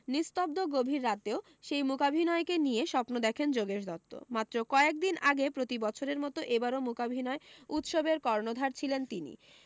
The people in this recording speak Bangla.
নিস্তব্ধ গভীর রাতেও সেই মূকাভিনয়কে নিয়ে স্বপ্ন দেখেন যোগেশ দত্ত মাত্র কয়েক দিন আগে প্রতি বছরের মতো এ বারও মূকাভিনয় উৎসবের কর্ণধার ছিলেন তিনি